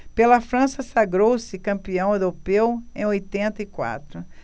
pela frança sagrou-se campeão europeu em oitenta e quatro